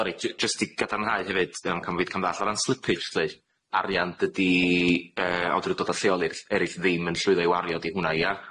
Sori j- jyst i gadarnhau hefyd 'cofn bo fi 'di camddalld, o ran slippage 'lly arian dydi yy awdurdoda lleol ll- eryll ddim yn llwyddo i wario 'di hwnna ia?